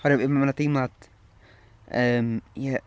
Oherwydd m- mae 'na deimlad yym, ie.